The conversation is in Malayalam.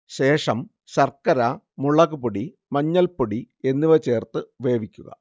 ശേഷം ശർക്കര, മുളക് പൊടി മഞ്ഞൾപ്പൊടി എന്നിവ ചേർത്ത് വേവിക്കുക